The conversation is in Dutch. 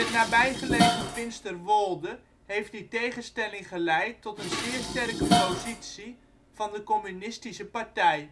nabijgelegen Finsterwolde heeft die tegenstelling geleid tot een zeer sterke positie van de Communistische partij